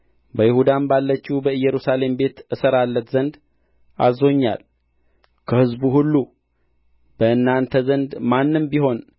በይሁዳም ባለችው በኢየሩሳሌም ቤት እሠራለት ዘንድ አዝዞኛል ከሕዝቡ ሁሉ በእናንተ ዘንድ ማንም ቢሆን